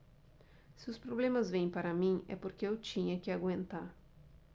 se os problemas vêm para mim é porque eu tinha que aguentar